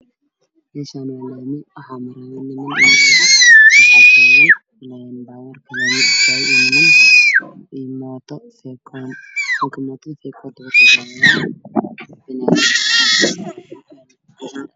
Meeshaan waa laami waxaa maraayo niman, baabuur iyo mooto faykoon ninka wado waxuu wataa fanaanad cagaar ah.